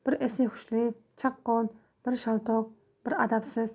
biri esli hushli chaqqon biri shaltoq biri adabsiz